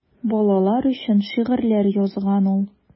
Балалар өчен шигырьләр язган ул.